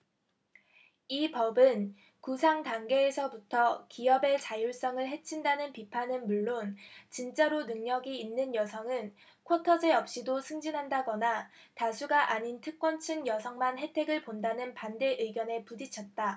이 법은 구상단계에서부터 기업의 자율성을 해친다는 비판은 물론 진짜로 능력이 있는 여성은 쿼터제 없이도 승진한다거나 다수가 아닌 특권층 여성만 혜택을 본다는 반대 의견에 부딪혔다